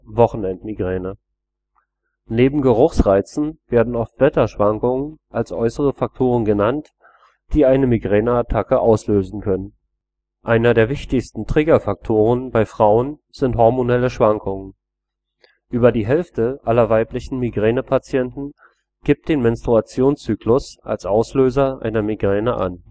Wochenendmigräne “). Neben Geruchsreizen werden oft Wetterschwankungen als äußere Faktoren genannt, die eine Migräneattacke auslösen können. Einer der wichtigsten Triggerfaktoren bei Frauen sind hormonelle Schwankungen. Über die Hälfte aller weiblichen Migränepatienten gibt den Menstruationszyklus als Auslöser einer Migräne an